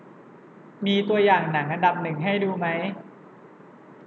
มีตัวอย่างหนังอันดับหนึ่งให้ดูไหม